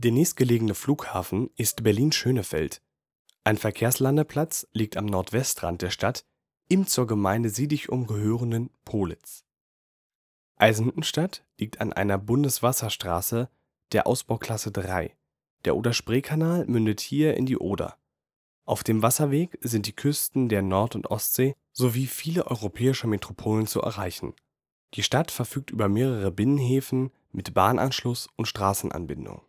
nächstgelegene Flughafen ist Berlin-Schönefeld. Ein Verkehrslandeplatz liegt am Nordwestrand der Stadt im zur Gemeinde Siehdichum gehörenden Pohlitz. Eisenhüttenstadt liegt an einer Bundeswasserstraße der Ausbauklasse III, der Oder-Spree-Kanal mündet hier in die Oder. Auf dem Wasserweg sind die Küsten der Nord - und Ostsee sowie viele europäische Metropolen zu erreichen. Die Stadt verfügt über mehrere Binnenhäfen mit Bahnanschluss und Straßenanbindung